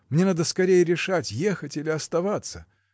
Мне надо скорее решать: ехать или оставаться?